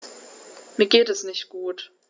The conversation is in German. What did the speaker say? Mir geht es nicht gut.